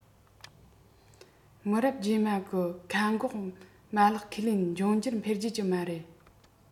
མི རབས རྗེས མ གི མཁའ འགོག མ ལག ཁས ལེན འབྱུང འགྱུར འཕེལ རྒྱས ཀྱི མ རེད